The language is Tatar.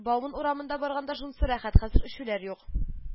Бауман урамында барганда шунсы рәхәт, хәзер эчүләр юк